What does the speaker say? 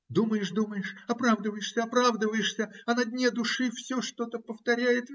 Думаешь-думаешь, оправдываешься-оправдываешься, а на дне души все что-то повторяет